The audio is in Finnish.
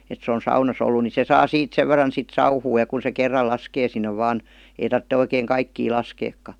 että se on saunassa ollut niin se saa siitä sen verran sitten sauhua ja kun se kerran laskee sinne vain ei tarvitse oikein kaikkia laskeakaan